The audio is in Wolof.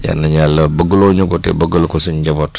yal nañu yàlla bëggloo ñu ko te bëggal ko suñu njaboot